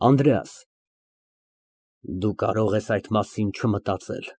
ԱՆԴՐԵԱՍ ֊ Դու կարող ես այդ մասին չմտածել։